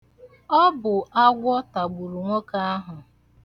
Ọ bụ agwọ tagburu nwoke ahụ.